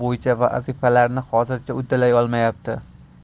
bo'yicha vazifalarini hozircha uddalay olmayapti